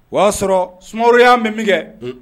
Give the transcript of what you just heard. O y'a sɔrɔ sumaworo y'a mɛn min kɛ